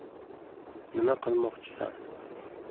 nima qilmoqchisan